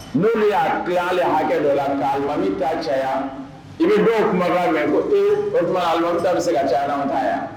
N' min y'a bila aleale hakɛ dɔ la'ami taa caya i bɛ don kuma b'a mɛn ko ee o tuma taa bɛ se ka cayara an caya yan